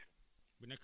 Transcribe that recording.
bi nekk